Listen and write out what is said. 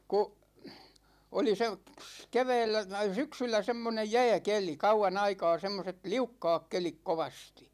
kun oli se - keväällä syksyllä semmoinen jääkeli kauan aikaa semmoiset liukkaat kelit kovasti